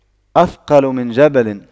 أثقل من جبل